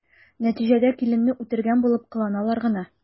Нәтиҗәдә киленне үтергән булып кыланалар гына.